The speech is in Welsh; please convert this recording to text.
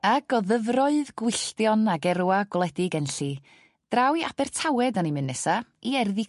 Ag o ddyfroedd gwylltion ag erwa gwledig Enlli draw i Abertawe 'dan ni mynd nesa, i erddi